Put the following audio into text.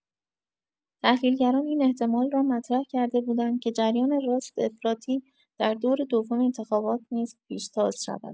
تحلیلگران این احتمال را مطرح کرده بودند که جریان راست افراطی در دور دوم انتخابات نیز پیشتاز شود.